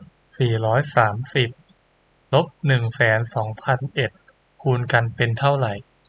สี่ร้อยสามสิบลบหนึ่งแสนสองพันเอ็ดคูณกันเป็นเท่าไหร่